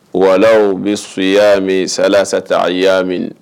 Wala bɛ su y'a min sala kata a y'a minɛ